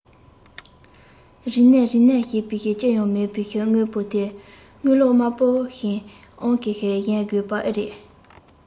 རིག གནས རིག གནས ཞེས པའི ལྕི ཡང མེད པའི དངོས པོ དེ དངུལ ལོར དམར པོ བཞིན ཨང ཀིས གཞལ དགོས པ ཨེ རེད